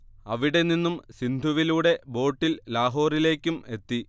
അവിടെനിന്നും സിന്ധുവിലൂടെ ബോട്ടിൽ ലാഹോറിലേക്കും എത്തി